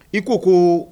I ko ko